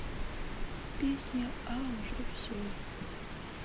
песня а уже все